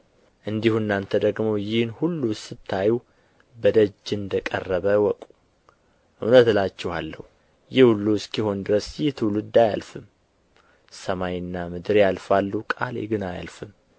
እንዲሁ እናንተ ደግሞ ይህን ሁሉ ስታዩ በደጅ እንደ ቀረበ እወቁ እውነት እላችኋለሁ ይህ ሁሉ እስኪሆን ድረስ ይህ ትውልድ አያልፍም ሰማይና ምድር ያልፋሉ ቃሌ ግን አያልፍም